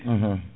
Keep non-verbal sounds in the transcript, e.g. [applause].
[hesitation] [hesitation]